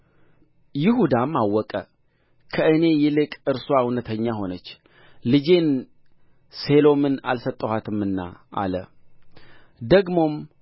ይሁዳም አወቀ ከእኔ ይልቅ እርስዋ እውነተኛ ሆነች ልጄን ሴሎምን አልሰጠኋትምና አለ ደግሞም